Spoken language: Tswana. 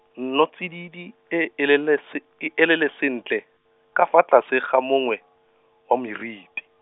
nnotsididi, e elele se-, e elele sentle, ka fa tlase ga mongwe, wa meriti.